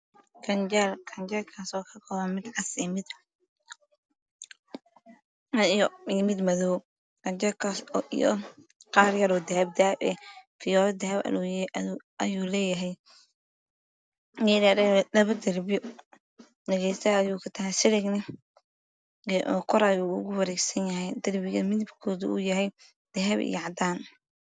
Gaanjeel midkaas oo ka kooban mid cas io mid madow gaanjelkaas oo qaar yaroo dahab dahab ah fiyoore dahab ah ayuu leeyahy geedo dhaadheer laba darbi siligna kor ayuu oga wareegsan yahay darbiga midabkiisu yahay dahabi io cadeys